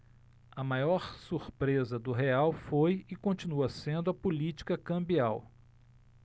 a maior surpresa do real foi e continua sendo a política cambial